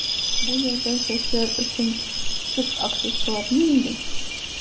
Бу язда чәчләр өчен төп аксессуар нинди?